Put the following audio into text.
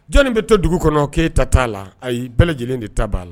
Jɔnni bɛ to dugu kɔnɔ keeyita ta t'a la ayi bɛɛ lajɛlen de ta b'a la